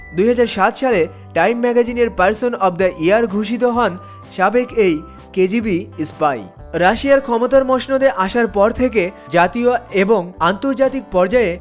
২০০৭ সালে টাইম ম্যাগাজিনের person of the year ঘোষিত হন সাবেক এই কেজিবি স্পাই রাশিয়ার ক্ষমতার মসনদে আসার পর থেকেই জাতীয় এবং আন্তর্জাতিক পর্যায় এ